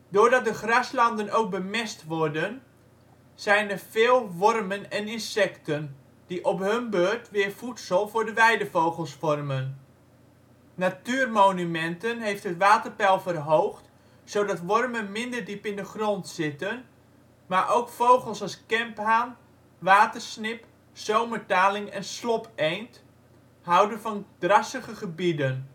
Doordat de graslanden ook bemest worden, zijn er veel wormen en insecten, die op hun beurt weer voedsel voor de weidevogels vormen. Natuurmonumenten heeft het waterpeil verhoogd zodat wormen minder diep in de grond zitten, maar ook vogels als kemphaan, watersnip, zomertaling en slobeend houden van drassige gebieden